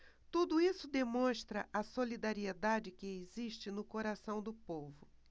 tudo isso demonstra a solidariedade que existe no coração do povo